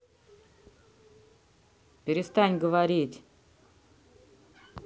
перестань говорить